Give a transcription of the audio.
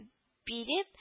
Биреп